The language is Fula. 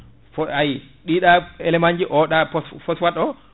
fo ayi ɗiɗa éélment ji oɗa pos* phosphade o